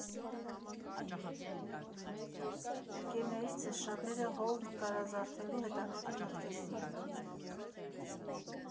«Ընկերներիցս շատերը հոլ նկարազարդելու հետաքրքիր մտքեր ունեն։